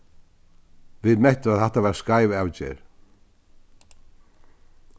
vit mettu at hatta var skeiv avgerð